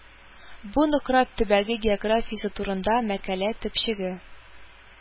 Бу Нократ төбәге географиясе турында мәкалә төпчеге